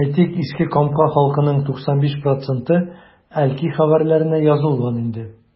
Әйтик, Иске Камка халкының 95 проценты “Әлки хәбәрләре”нә язылган инде.